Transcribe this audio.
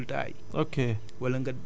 carrément day gis résultat yi